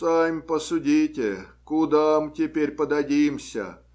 сами посудите, куда мы теперь подадимся?